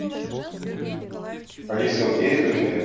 алиса у тебя есть друзья